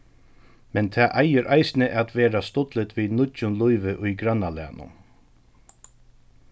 men tað eigur eisini at vera stuttligt við nýggjum lívi í grannalagnum